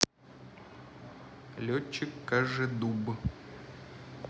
летчик кожедуб